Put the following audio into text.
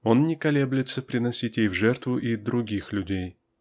он не колеблется приносить ей в жертву и других людей.